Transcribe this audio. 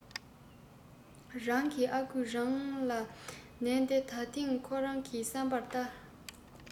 རང གི ཨ ཁུས རང ལ ན ཏེ ད ཐེངས ཁོ རང གི བསམ པ ལྟར